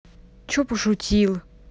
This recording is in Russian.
че пошутил